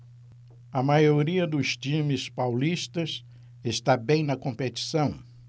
a maioria dos times paulistas está bem na competição